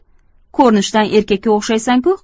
ko'rinishdan erkakka o'xshaysan ku